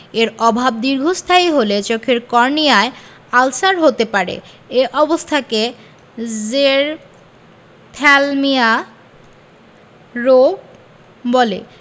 এর অভাব দীর্ঘস্থায়ী হলে চোখের কর্নিয়ায় আলসার হতে পারে এ অবস্থাকে জের থ্যালমিয়া রোগ বলে